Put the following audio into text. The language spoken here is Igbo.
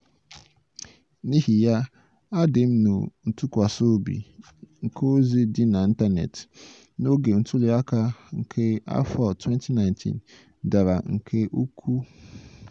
N'ihi ya, adịmụntụkwasịobi nke ozi dị n'ịntaneetị n'oge ntụliaka nke afọ 2019 dara nke ukwuu.